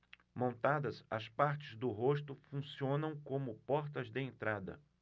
montadas as partes do rosto funcionam como portas de entrada